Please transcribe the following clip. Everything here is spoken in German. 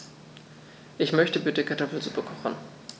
Ich möchte bitte Kartoffelsuppe kochen.